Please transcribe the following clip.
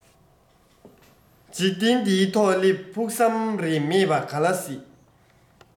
འཇིག རྟེན འདིའི ཐོག སླེབས ཕུགས བསམ རེ མེད པ ག ལ སྲིད